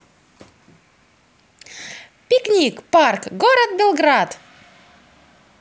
пикник парк город белград